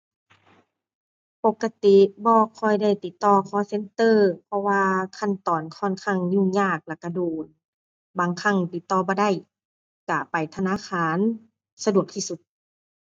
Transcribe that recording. ปกติบ่ค่อยได้ติดต่อ call center เพราะว่าขั้นตอนค่อนข้างยุ่งยากแล้วก็โดน บางครั้งติดต่อบ่ได้ ก็ไปธนาคารสะดวกที่สุด